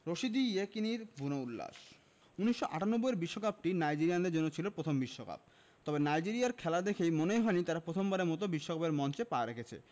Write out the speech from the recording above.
Rashidi ইয়েকিনীর বুনো উল্লাস ১৯৯৮ এর বিশ্বকাপটি নাইজেরিয়ানদের জন্য ছিল প্রথম বিশ্বকাপ তবে নাইজেরিয়ার খেলা দেখে মনেই হয়নি তারা প্রথমবারের মতো বিশ্বকাপের মঞ্চে পা রেখেছে